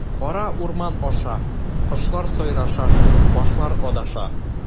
Кара урман аша, кошлар сайраша шул, башлар адаша.